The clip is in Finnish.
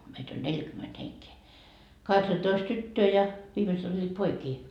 meitä oli neljäkymmentä henkeä kahdeksantoista tyttöä ja viimeiset olivat poikia